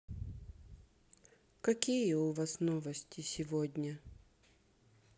какие у вас новости сегодня